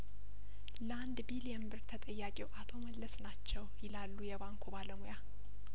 ለአንድ ቢሊዮን ብር ተጠያቂው አቶ መለስ ናቸው ይላሉ የባንኩ ባለሙያ